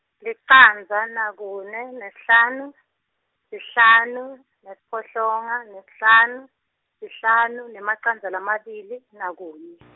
licandza nakune na hlanu sihlanu nesiphohlongo nesihlanu sihlanu nemacandza lamabili nakunye.